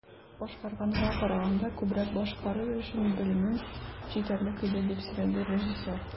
"башкарганга караганда күбрәк башкарыр өчен белемем җитәрлек иде", - дип сөйләде режиссер.